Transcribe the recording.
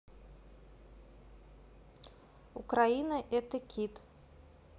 украина это кит